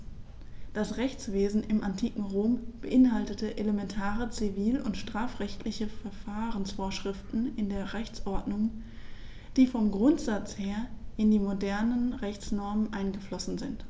Das Rechtswesen im antiken Rom beinhaltete elementare zivil- und strafrechtliche Verfahrensvorschriften in der Rechtsordnung, die vom Grundsatz her in die modernen Rechtsnormen eingeflossen sind.